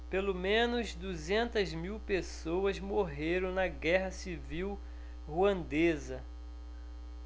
pelo menos duzentas mil pessoas morreram na guerra civil ruandesa